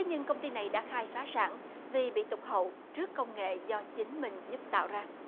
nhưng công ty này đã khai phá sản vì bị tụt hậu trước công nghệ do chính mình giúp tạo ra